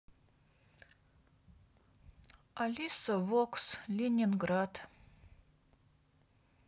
алиса вокс ленинград